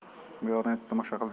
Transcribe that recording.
buyog'idan o'tib tomosha qildi